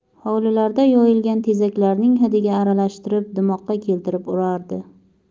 hovlilarda yoyilgan tezaklarning hidiga aralashtirib dimoqqa keltirib urardi